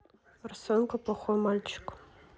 арсенка плохой мальчик